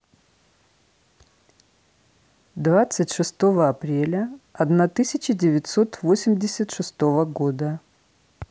двадцать шестое апреля одна тысяча девятьсот восемьдесят шестого года